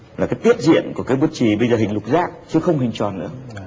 là cái tiết diện của cây bút chì bây giờ hình lục giác chứ không hình tròn nữa